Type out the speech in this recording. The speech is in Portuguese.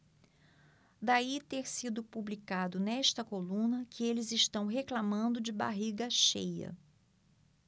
daí ter sido publicado nesta coluna que eles reclamando de barriga cheia